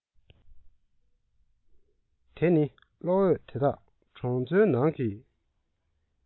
དེ ནི གློག འོད དེ དག གྲོང ཚོའི ནང གི